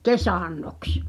kesannoksi